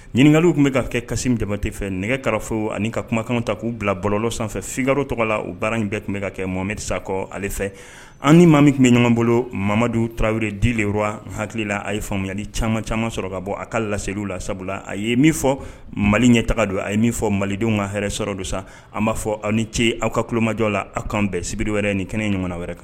Ɲininkakali tun bɛ ka kɛ kasi damate fɛ nɛgɛ karafo ani ka kumakan ta k'u bila bɔlɔ sanfɛ fkakoro tɔgɔ la u baara in bɛɛ tun bɛ ka kɛ momedsakɔ ale fɛ ani maa min tun bɛ ɲɔgɔn bolo mamadu taraweleri di de hakilila a ye faamuyamuyali caman caman sɔrɔ ka bɔ a ka laeliw la sabula a ye min fɔ mali ɲɛ taga don a ye min fɔ malidenw ma hɛrɛɛ sɔrɔ don san an b'a fɔ aw ni ce aw ka kumajɔ la aw kan bɛɛ sibidi wɛrɛ ni kɛnɛ ɲɔgɔn wɛrɛ kan